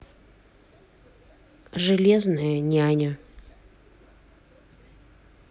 железная няня